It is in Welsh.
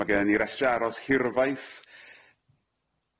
Ma' genna ni restyr aros hirfaith.